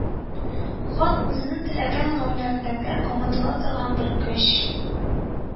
Ган, үзенең теләген гәүдәләндерергә омтыла торган бер көч